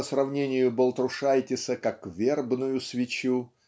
по сравнению Балтрушайтиса как вербную свечу